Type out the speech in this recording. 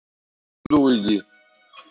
отовсюду уйди